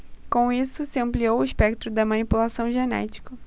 com isso se ampliou o espectro da manipulação genética